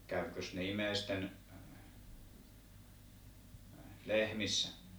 kävikös ne ihmisten lehmissä